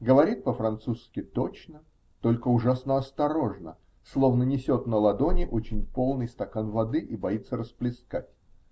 Говорит по-французски точно, только ужасно осторожно, словно несет на ладони очень полный стакан воды и боится расплескать.